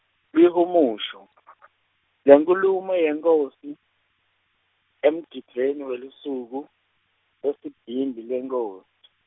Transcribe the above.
Lihumusho , lenkhulumo yenkhosi, emgidvweni welusuku, lwesibhimbi lweNkho- .